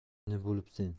jinni bo'libsen